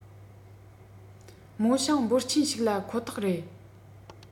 རྨོ ཞིང འབོར ཆེན ཞིག ལ ཁོ ཐག རེད